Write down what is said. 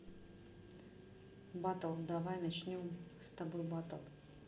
battle давай начнем с тобой батл